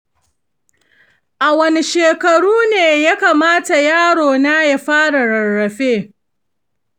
a wane shekaru ne ya kamata yarona ya fara rarrafe?